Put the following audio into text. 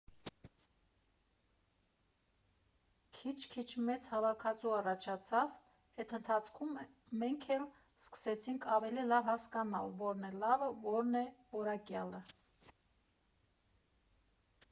Քիչ֊քիչ մեծ հավաքածու առաջացավ, էդ ընթացքում մենք էլ սկսեցինք ավելի լավ հասկանալ՝ որն է լավը, որն է որակյալը։